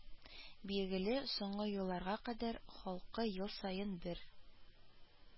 Билгеле, соңгы елларга кадәр халкы ел саен бер